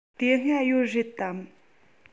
དེ སྔ ཡོད རེད དམ